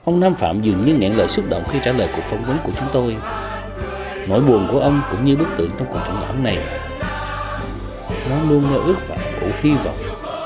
ông nam phạm dường như ngẹn lời xúc động khi trả lời cuộc phỏng vấn của chúng tôi nỗi buồn của ông cũng như bức tượng trong cuộc triển lãm này nó luôn mơ ước và hy vọng